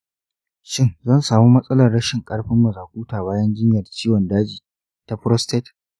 shin zan samu matsalar rashin ƙarfin mazakuta bayan jinyar ciwon daji ta prostate?